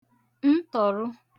ntọ̀rụ